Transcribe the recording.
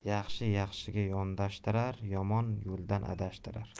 yaxshi yaxshiga yondashtirar yomon yo'ldan adashtirar